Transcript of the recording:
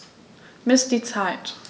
Miss die Zeit.